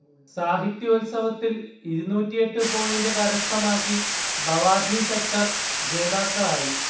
സാഹിത്യോല്സവിൽ ഇരുന്നൂറ്റിയെട്ടു പോയിന്റ് കരസ്ഥമാക്കി ബവാധി സെക്ടർ ജേതാക്കളായി